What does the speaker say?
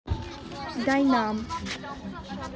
дай нам